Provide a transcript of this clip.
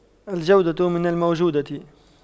الجودة من الموجودة